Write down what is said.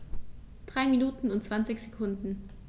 3 Minuten und 20 Sekunden